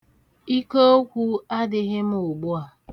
Ike okwu adịghị m ugbu a.